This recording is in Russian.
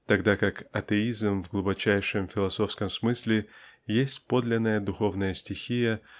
тогда как атеизм в глубочайшем философском смысле есть подлинная духовная стихия